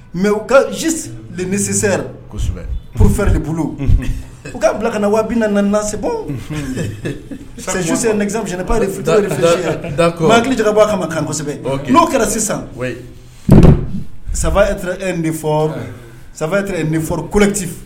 Mɛ u ka z lesisɛsɛbɛ p de bolo u ka bila ka na wabi na na sesi nitie pa fi fi hakilija bɔa kama ma kansɛbɛ n'o kɛra sisan saba e nin fɔ saba nin fɔlɛti